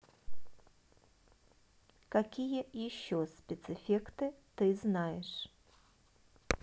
какие еще спецэффекты ты знаешь